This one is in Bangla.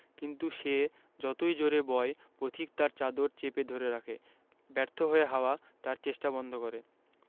কিন্তু সে যতই জোড়ে বয় পথিক তার চাদর চেপে ধরে রাখে ব্যর্থ হয়ে হাওয়া তার চেষ্টা বন্ধ করে